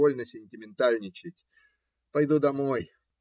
Довольно сентиментальничать. Пойду домой.